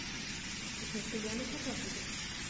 Ich möchte gerne Kartoffelsuppe.